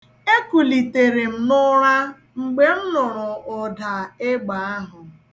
E kulitere m n'ụra mgbe m nụrụ ụda egbe ahụ.